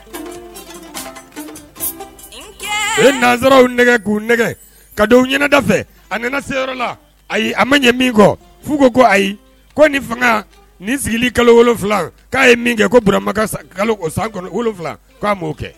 Ye nanz ka ɲɛnada fɛ a se ayi a ma ɲɛ kɔ fu ko ko ayi ni ni sigi kalo wolonwula k'a ye kɛ ko burama sanfila'o kɛ